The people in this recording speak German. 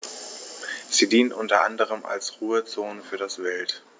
Sie dienen unter anderem als Ruhezonen für das Wild.